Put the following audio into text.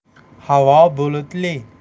havo bulutli